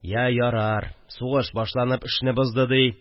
Я, ярар, сугыш башланып эшне бозды ди